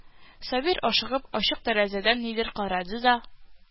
Сабир, ашыгып, ачык тәрәзәдән нидер карады да: